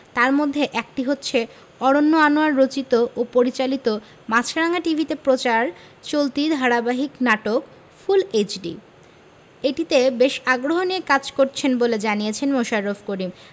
তার মধ্যে একটি হচ্ছে অরন্য আনোয়ার রচিত ও পরিচালিত মাছরাঙা টিভিতে প্রচার চলতি ধারাবাহিক নাটক ফুল এইচডি এটিতে বেশ আগ্রহ নিয়ে কাজ করছেন বলে জানিয়েছেন মোশাররফ করিম